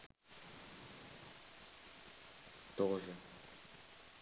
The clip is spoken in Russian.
тоже